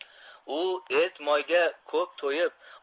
u et moyga ko'p to'yib